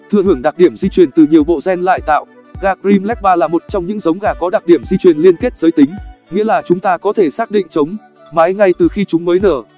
thừa hưởng đặc điểm di truyền từ nhiều bộ gen lại tạo gà cream legbar là một trong những giống gà có đặc điểm di truyền liên kết giới tính nghĩa là chúng ta có thể xác định trống mái ngay từ khi chúng mới nở